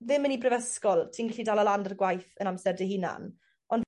ddim myn' i brifysgol ti'n gllu dala lan 'da'r gwaith yn amser dy hunan on'